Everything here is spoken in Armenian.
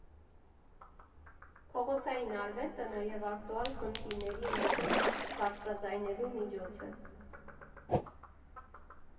Փողոցային արվեստը նաև ակտուալ խնդիրների մասին բարձրաձայնելու միջոց է։